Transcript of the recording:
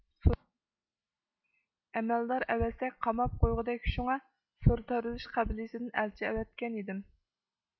ئەمەلدار ئەۋەتسەك قاماپ قويغۇدەك شۇڭا سور تاردوش قەبىلىسىدىن ئەلچى ئەۋەتكەن ئىدىم